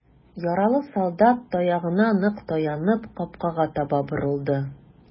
Яралы солдат, таягына нык таянып, капкага таба борылды.